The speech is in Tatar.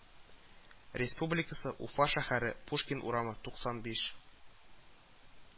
Республикасы, Уфа шәһәре, Пушкин урамы, туксан биш